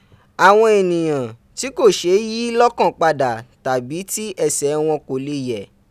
Awon eniyan ti ko seeyi lokan pada tabi ti ese won ko le ye